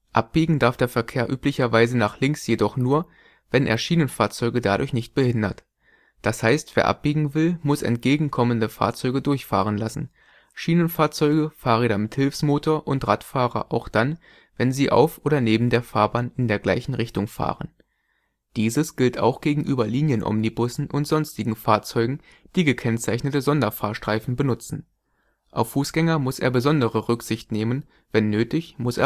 Abbiegen darf der Verkehr üblicherweise nach links jedoch nur, wenn er Schienenfahrzeuge dadurch nicht behindert. Das heißt, wer abbiegen will, muss entgegenkommende Fahrzeuge durchfahren lassen; Schienenfahrzeuge, Fahrräder mit Hilfsmotor und Radfahrer auch dann, wenn sie auf oder neben der Fahrbahn in der gleichen Richtung fahren. Dieses gilt auch gegenüber Linienomnibussen und sonstigen Fahrzeugen, die gekennzeichnete Sonderfahrstreifen benutzen. Auf Fußgänger muss er besondere Rücksicht nehmen; wenn nötig, muss